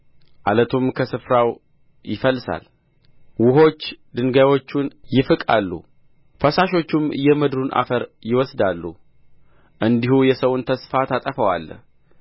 ዓለቱም ከስፍራው ይፈልሳል ውኆች ድንጋዮቹን ይፍቃሉ ፈሳሾቹም የምድሩን አፈር ይወስዳሉ እንዲሁ የሰውን ተስፋ ታጠፋዋለህ